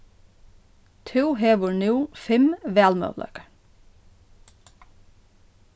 tú hevur nú fimm valmøguleikar